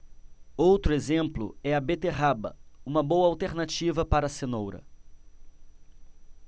outro exemplo é a beterraba uma boa alternativa para a cenoura